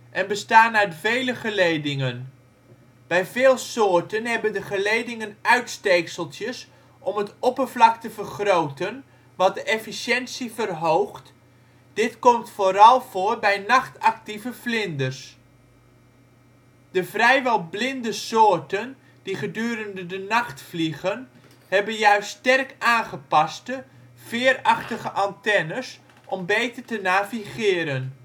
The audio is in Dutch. en bestaan uit vele geledingen. Bij veel soorten hebben de geledingen uitsteekseltjes om het oppervlak te vergroten wat de efficiëntie verhoogd, dit komt vooral voor bij nachtactieve vlinders. De vrijwel blinde soorten die gedurende de nacht vliegen, hebben juist sterk aangepaste, veer-achtige antennes om beter te navigeren